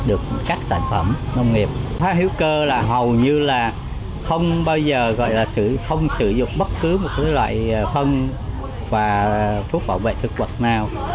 được các sản phẩm nông nghiệp hữu cơ là hầu như là không bao giờ gọi là sử không sử dụng bất cứ một loại phân và thuốc bảo vệ thực vật nào